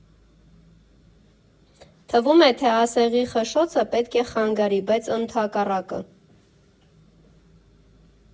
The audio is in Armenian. Թվում է, թե ասեղի խշշոցը պետք է խանգարի, բայց ընդհակառակը։